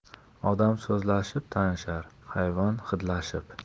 odam so'zlashib tanishar hayvon hidlashib